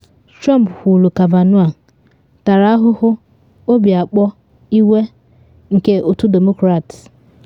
Trump kwuru Kavanaugh “tara ahụhụ, obi akpọ, iwe” nke Otu Demokrats